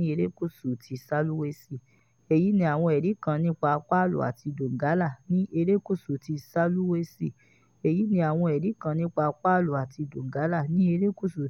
ní erékùṣú